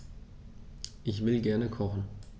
Ich will gerne kochen.